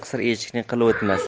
qisir echkining qili o'tmas